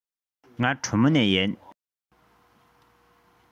ང གྲོ མོ ནས ཡིན